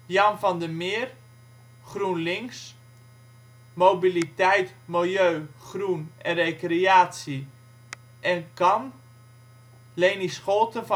Jan van der Meer (GroenLinks), mobiliteit, milieu, groen en recreatie, KAN Lenie Scholten